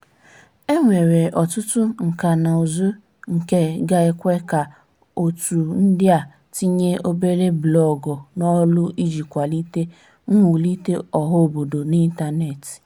E nwere ọtụtụ nkànaụzụ nke ga-ekwe ka òtù ndị a tinye obere blọọgụ n'ọrụ iji kwalite mwulite ọhaobodo n'ịntanetị